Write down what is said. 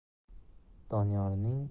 doniyorning ashulasi bu